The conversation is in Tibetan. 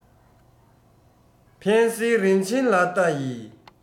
འཕན ཟེལ རིན ཆེན ལ ལྟ ཡི